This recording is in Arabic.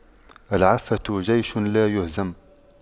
العفة جيش لايهزم